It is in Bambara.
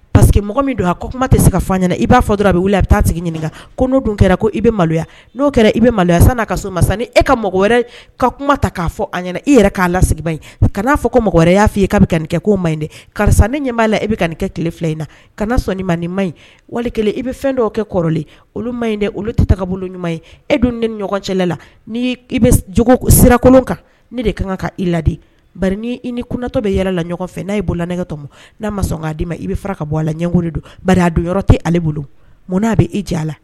Paseke que mɔgɔ min don a ko kuma tɛ se ka fa ɲɛna i b'a dɔrɔn a bɛ wuli a bɛ taa sigi ɲininka ko n' dun kɛra ko i bɛ maloya kɛra i bɛ maloya san n' ka masa e ka mɔgɔ wɛrɛ ye ka kuma ta k'a fɔ a i yɛrɛ k'a lasigiba in kana n'a fɔ ko mɔgɔ wɛrɛ y'a fɔ i ka nin kɛ ko ma ɲi karisa ne ɲɛ b'a la i bɛ nin kɛ kelen fila in na ka sɔn nin ma ma ɲi wali i bɛ fɛn dɔw kɛ kɔrɔlen olu ma ɲi olu tɛ ta bolo ɲuman ye e dun ne ɲɔgɔn cɛla la ni' i bɛ sirakolon kan ne de kan ka i ladi i ni kuntɔ bɛ yɛlɛ la ɲɔgɔn fɛ n'a ye boli nɛgɛtɔmɔ n'a ma sɔn k' d dii ma i bɛ ka bɔ a la ɲɛkolon don don yɔrɔ tɛ ale bolo munna'a bɛ e jan a la